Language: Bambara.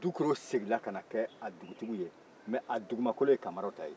dukurew seginna ka na kɛ a dugutiw ye mɛ a dugumakolo ye kamaraw ta ye